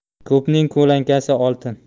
ko'pning ko'lankasi oltin